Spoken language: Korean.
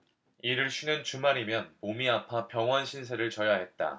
일을 쉬는 주말이면 몸이 아파 병원 신세를 져야 했다